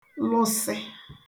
lụsị